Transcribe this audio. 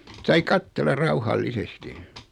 sai katsella rauhallisesti